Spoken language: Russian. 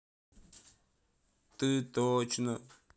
ты точно